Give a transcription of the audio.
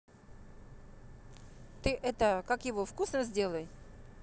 ты это как его вкусно сделай